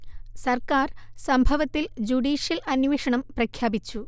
സർക്കാർ സംഭവത്തിൽ ജുഡീഷ്യൽ അന്വേഷണം പ്രഖ്യാപിച്ചു